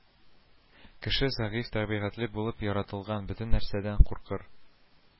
Кеше зәгыйфь табигатьле булып яратылган, бөтен нәрсәдән куркыр